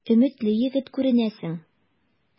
Өметле егет күренәсең.